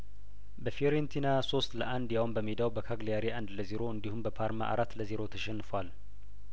በፊዮሬንቲና ሶስት ለአንድ ያውም በሜዳው በካግሊያሪ አንድ ለዜሮ እንዲሁም በፓርማ አራት ለዜሮ ተሸንፏል